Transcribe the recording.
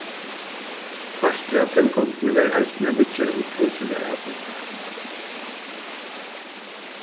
partur av tilgongdini verður eisini at viðgera ítøkiligar avbjóðingar